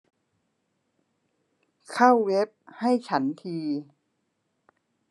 เข้าเว็บให้ฉันที